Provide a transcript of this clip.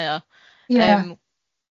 Ia.